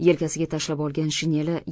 yelkasiga tashlab olgan shineli